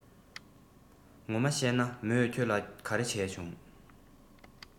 ངོ མ གཤད ན མོས ཁྱེད ལ ག རེ བྱས བྱུང